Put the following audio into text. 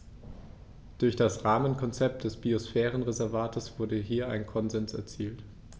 Durch das Rahmenkonzept des Biosphärenreservates wurde hier ein Konsens erzielt.